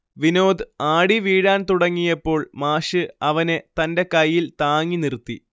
വിനോദ് ആടി വീഴാൻ തുടങ്ങിയപ്പോൾ മാഷ് അവനെ തന്റെ കയ്യിൽ താങ്ങി നിർത്തി